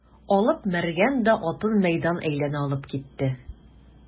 Алып Мәргән дә атын мәйдан әйләнә алып китте.